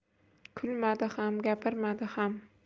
kulmadi ham gapirmadi ham